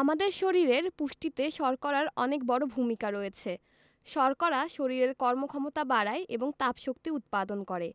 আমাদের শরীরের পুষ্টিতে শর্করার অনেক বড় ভূমিকা রয়েছে শর্করা শরীরের কর্মক্ষমতা বাড়ায় এবং তাপশক্তি উৎপাদন করে